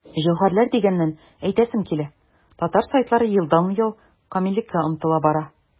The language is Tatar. Җәүһәрләр дигәннән, әйтәсем килә, татар сайтлары елдан-ел камиллеккә омтыла бара.